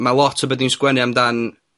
ma' lot o be' dwi'n sgwennu amdan...